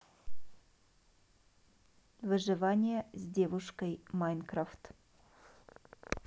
выживание с девушкой майнкрафт